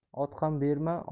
ot ham berma